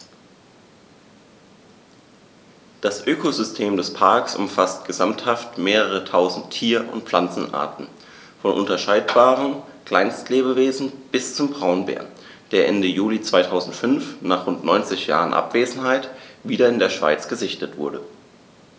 Das Ökosystem des Parks umfasst gesamthaft mehrere tausend Tier- und Pflanzenarten, von unscheinbaren Kleinstlebewesen bis zum Braunbär, der Ende Juli 2005, nach rund 90 Jahren Abwesenheit, wieder in der Schweiz gesichtet wurde.